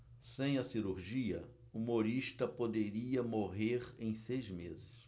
sem a cirurgia humorista poderia morrer em seis meses